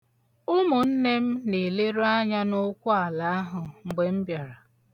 Ụmụnne m na-eleru anya n'okwu ala ahụ mgbe m bịara.